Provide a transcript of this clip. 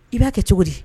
I b'a kɛ cogo di